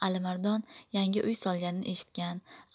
alimardon yangi uy solganini eshitgan